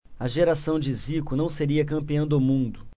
a geração de zico não seria campeã do mundo